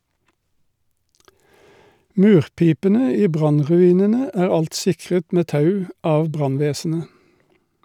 Murpipene i brannruinene er alt sikret med tau av brannvesenet.